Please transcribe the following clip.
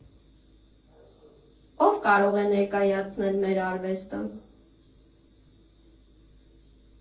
Ո՞վ կարող է ներկայացնել մեր արվեստը։